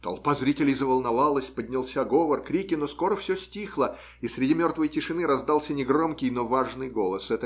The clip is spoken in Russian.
Толпа зрителей заволновалась, поднялся говор, крики, но скоро все стихло, и среди мертвой тишины раздался негромкий, но важный голос.